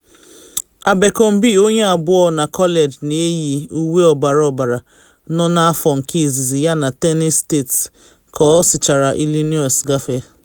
Abercrombie, onye nke abụọ na kọleji na eyi uwe ọbara ọbara, nọ n’afọ nke izizi ya na Tennessee State ka o sichara Illinois gafete.